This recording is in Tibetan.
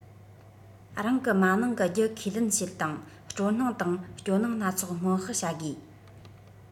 རང གི མ ནིང གི རྒྱུ ཁས ལེན བྱེད དང སྤྲོ སྣང དང སྐྱོ སྣང སྣ ཚོགས སྔོན དཔག བྱ དགོས